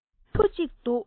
ཕྲུ གུ ཁྱུ གཅིག འདུག